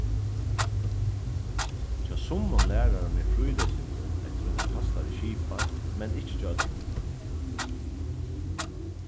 hjá summum lærarum er frílesingin eftir einari fastari skipan men ikki hjá øllum